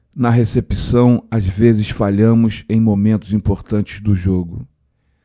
na recepção às vezes falhamos em momentos importantes do jogo